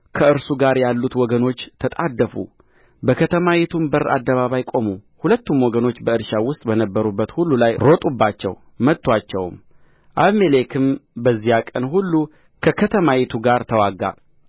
ከእርሱም ጋር ያሉት ወገኖች ተጣደፉ በከተማይቱም በር አደባባይ ቆሙ ሁለቱም ወገኖች በእርሻው ውስጥ በነበሩት ሁሉ ላይ ሮጡባቸው መቱአቸውም አቤሜሌክም በዚያ ቀን ሁሉ